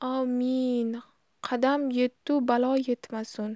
ovmin qadam yettu balo yetmasun